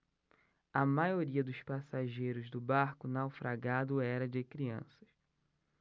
a maioria dos passageiros do barco naufragado era de crianças